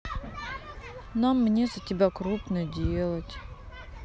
нам мне за тебя крупно делать